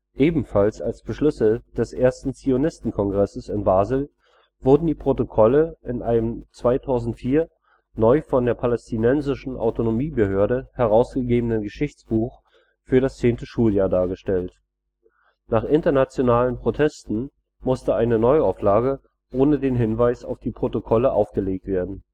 Ebenfalls als Beschlüsse des ersten Zionistenkongresses in Basel wurden die Protokolle in einem 2004 neu von der Palästinensischen Autonomiebehörde herausgegebenen Geschichtsbuch für das zehnte Schuljahr dargestellt. Nach internationalen Protesten musste eine Neuauflage ohne den Hinweis auf die Protokolle aufgelegt werden